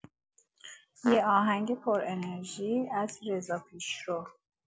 یه آهنگ پرانرژی از رضا پیشرو